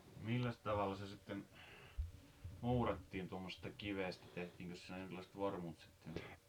milläs tavalla se sitten muurattiin tuommoisesta kivestä tehtiinkös siinä jonkinlaiset vormut sitten